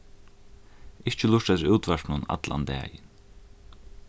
ikki lurta eftir útvarpinum allan dagin